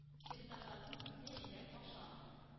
Чистартасың килсә, җиләк аша.